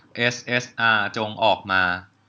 เอสเอสอาร์จงออกมา